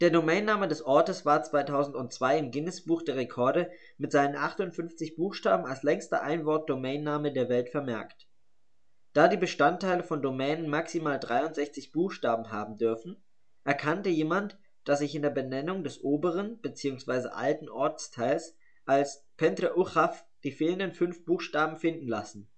Domainname des Ortes war 2002 im Guinness-Buch der Rekorde mit seinen 58 Buchstaben als längster Einwort-Domainname der Welt vermerkt. Da die Bestandteile von Domänen maximal 63 Buchstaben haben dürfen, erkannte jemand, dass sich in der Benennung des oberen (bzw. alten) Ortsteils als pentre uchaf die fehlenden fünf Buchstaben finden lassen